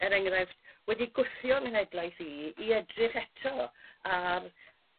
er enghraifft wedi gwthio 'yn nghenhedlaeth i i edrych eto ar